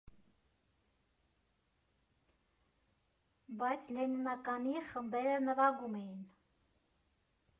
Բայց Լենինականի խմբերը նվագում էին։